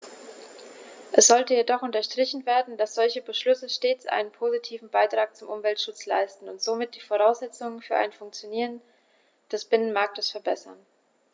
Es sollte jedoch unterstrichen werden, dass solche Beschlüsse stets einen positiven Beitrag zum Umweltschutz leisten und somit die Voraussetzungen für ein Funktionieren des Binnenmarktes verbessern.